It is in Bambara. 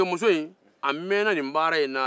muso in mɛnna ni baara in na